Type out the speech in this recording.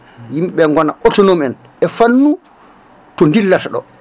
yimɓeɓe gona autonome en e fannu to dillata ɗo